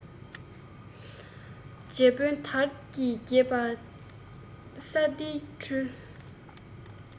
རྗེ དཔོན དར ཞིང རྒྱས པ ས སྡེའི འཕྲུལ